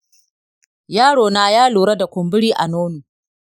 yaro na ya lura da kumburi a nono.